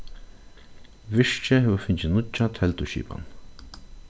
virkið hevur fingið nýggja telduskipan